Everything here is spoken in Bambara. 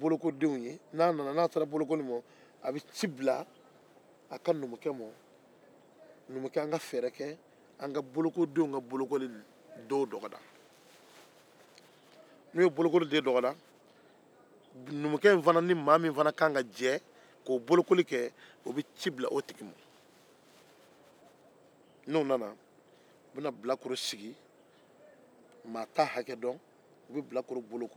a bɛ ci bila a ka numukɛ ma numukɛ an ka fɛɛrɛ kɛ an ka bolokodenw ka bolokoli don dɔgɔda n'u ye bolokoli don dɔgɔda numukɛ ni fana ni mɔgɔ min fana ka kan ka jɛ k'o bolokoli kɛ o bɛ ci bila o tigi ma n'o nana u bɛna bilakoro sigi mɔgɔ t'a hakɛ dɔn u bɛ bilakorow bolo ko